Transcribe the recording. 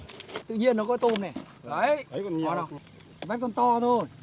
tự nhiên nó có tôm này đấy con to thôi